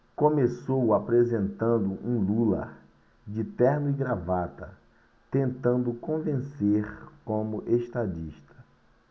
começou apresentando um lula de terno e gravata tentando convencer como estadista